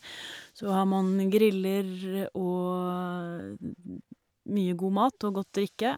Så har man griller og mye god mat og godt drikke.